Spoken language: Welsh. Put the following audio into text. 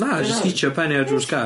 Na jyst hitio pen 'i un drws car.